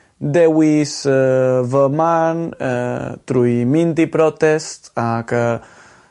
dewis yy fy marn yy drwy mynd i brotest ag yy